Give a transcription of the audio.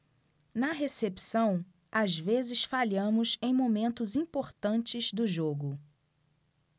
na recepção às vezes falhamos em momentos importantes do jogo